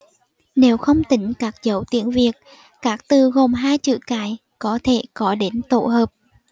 nếu không tính các dấu tiếng việt các từ gồm hai chữ cái có thể có đến tổ hợp